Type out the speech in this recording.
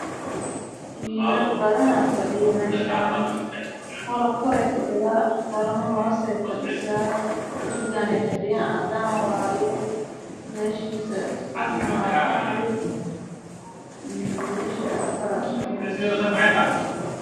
Waa meel banaan waxaa iskugu imaaday niman iyo ilmo